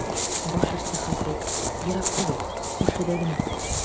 Баш өсте, хәзрәт, ерак түгел, күршедә генә.